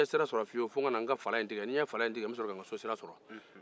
n te sira sɔrɔ fiyewu fo n ka na fala in tigɛ